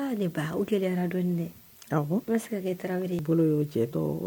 Ne ba o kɛlɛyala dɔni dɛ e ma se ka kɛ Tarawele i bolo y'o jɛ